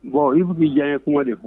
Bon ifu bɛ diya ye kɔngɔ de fɔ